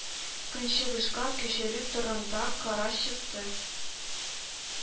Көнчыгышка күчерү турында карар чыкты